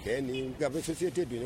Nin gasisi tɛ yen